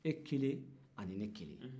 e kelen ani ne kelen